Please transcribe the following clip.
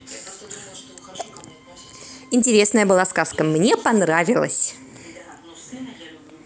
интересная была сказка мне понравилась